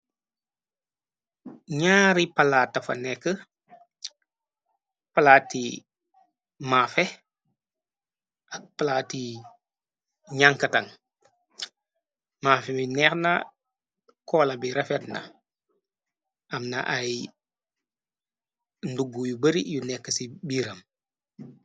Ñaari palaa dafa nekk palaati mafe ak palaati nankataŋ mafe bi neexna koola bi refet na amna ay nduggu yu bari yu nekk ci biiram.